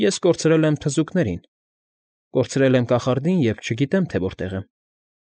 Ես կորցրել եմ թզուկներին, կորցրել եմ կախարդին և չգիտեմ, թե որտեղ են։